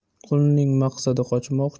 qulning maqsadi qochmoq